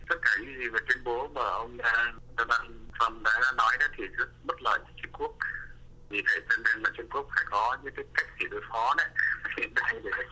tất cả những gì về tuyên bố mà ông ta trăm đã nói rất bất lợi trung quốc tại trung quốc có nhiều cách để đối phó